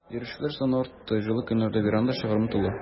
Йөрүчеләр саны артты, җылы көннәрдә веранда шыгрым тулы.